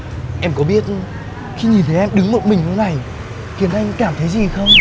em có biết khi nhìn thấy em đứng một mình như này khiến anh cảm thấy gì không